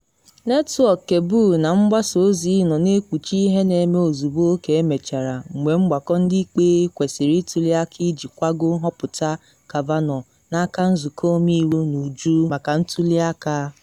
Netwọk kebụl na mgbasa ozi nọ na ekpuchi ihe na eme ozugbo ka emechara, mgbe Mgbakọ Ndị Ikpe kwesịrị ituli aka iji kwagoo nhọpụta Kavanaugh n’aka Nzụkọ Ọmeiwu n’uju maka ntuli aka.